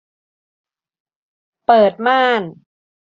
เปิดม่าน